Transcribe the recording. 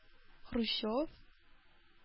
Хрущев